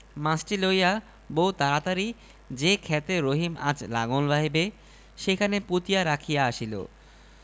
তাহারা জিজ্ঞাসা করিল তোমরা এত চেঁচামেচি করিতেছ কেন তোমাদের কি হইয়াছে রহিম বলিল দেখ ভাই সকলরা আজ আমি একটা তাজা শোলমাছ ধরিয়া